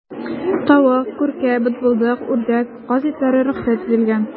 Тавык, күркә, бытбылдык, үрдәк, каз итләре рөхсәт ителгән.